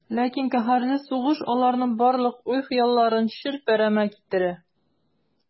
Ләкин каһәрле сугыш аларның барлык уй-хыялларын челпәрәмә китерә.